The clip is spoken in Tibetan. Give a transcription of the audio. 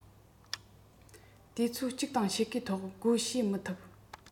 དུས ཚོད གཅིག དང ཕྱེད ཀའི ཐོག སྒོ ཕྱེ མི ཐུབ